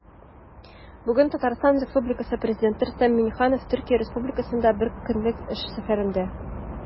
Бүген Татарстан Республикасы Президенты Рөстәм Миңнеханов Төркия Республикасында бер көнлек эш сәфәрендә.